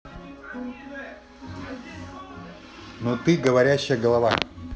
ну ты говорящая голова